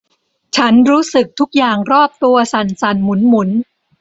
ฉันรู้สึกทุกอย่างรอบตัวสั่นสั่นหมุนหมุน